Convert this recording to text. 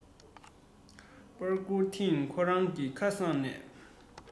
པར བསྐུར ཐེངས ཁོ རང གི ཁ སང ནས